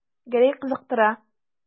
Гәрәй кызыктыра.